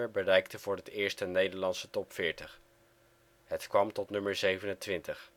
bereikte voor het eerst de Nederlandse Top 40: het kwam tot nummer 27. Het